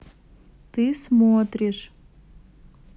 ты смотришь